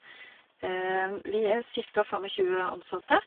Vi er cirka fem og tjue ansatte.